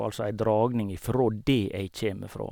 Altså ei dragning ifra det jeg kjeme fra.